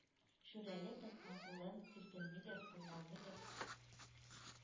Шүрәле тыккан кулын — селкенмидер, кузгалмыйдыр;